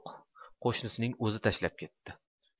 qo'shnisining o'zi tashlab ketdi